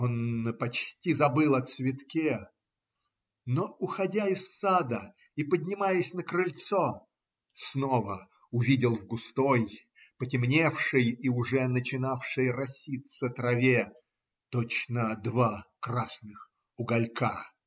Он почти забыл о цветке, но, уходя из сада и поднимаясь на крыльцо, снова увидел в густой потемневшей и уже начинавшей роситься траве точно два красных уголька.